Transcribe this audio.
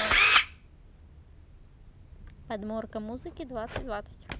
подборка музыки двадцать двадцать